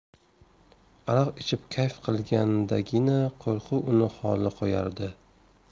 aroq ichib kayf qilgandagina qo'rquv uni xoli qo'yardi